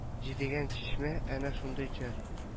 Җидегән чишмә әнә шундый җыр